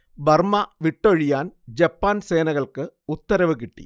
Burma വിട്ടൊഴിയാൻ Japan സേനകൾക്ക് ഉത്തരവ് കിട്ടി